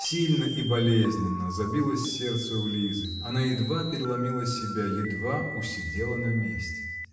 Сильно и болезненно забилось сердце у Лизы: она едва переломила себя, едва усидела на месте.